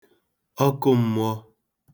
ọkụm̄mụ̄ọ̄